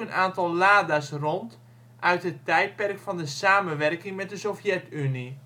aantal Lada 's rond uit het tijdperk van de samenwerking met de Sovjet-Unie